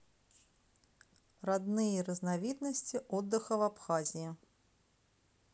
родные разновидности отдыха в абхазии